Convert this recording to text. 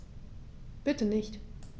Bitte nicht.